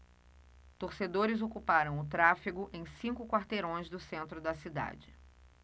torcedores ocuparam o tráfego em cinco quarteirões do centro da cidade